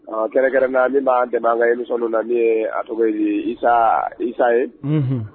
Ɔ kɛlɛkɛrɛn na ni'a dɛmɛ kan i na ye a tɔgɔ yesa ye